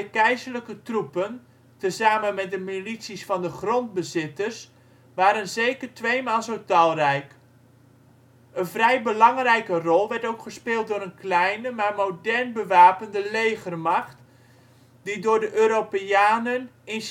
keizerlijke troepen, tezamen met de milities van de grondbezitters, waren zeker twee maal zo talrijk. Een vrij belangrijke rol werd ook gespeeld door een kleine, maar modern bewapende legermacht, die door de Europeanen in